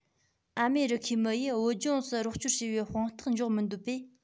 ཨ མེ རི ཁའི མི ཡིས བོད ལྗོངས སུ རོགས སྐྱོར བྱས པའི དཔང རྟགས འཇོག མི འདོད པས